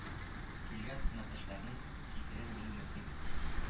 Килгән хезмәттәшләрнең фикерен белү мөһим